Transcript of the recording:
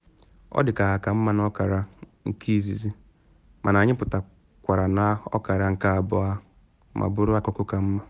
Ọ dị ka ha aka mma n’ọkara nke izizi, ma anyị pụtara n’ọkara nke abụọ ma bụrụ akụkụ ka mma.